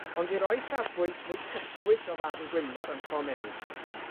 Ond i roi safbwynt mwy cytbwys o farn Gwynfor am Tom Ellis,